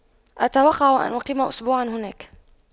اتوقع ان اقيم اسبوعا هناك